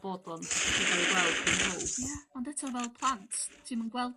bod o'n gallu ga'l 'u gweld gin powb. Ia ond eto fel plant ti'm yn gweld